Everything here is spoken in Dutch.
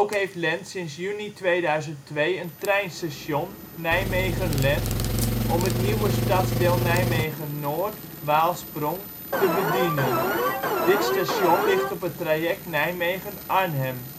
heeft Lent sinds juni 2002 een treinstation (Nijmegen Lent) om het nieuwe stadsdeel Nijmegen-Noord (Waalsprong) te bedienen; dit station ligt op het traject Nijmegen - Arnhem